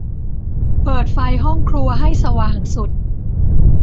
เปิดไฟห้องครัวให้สว่างสุด